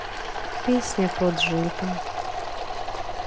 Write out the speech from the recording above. песня про джипа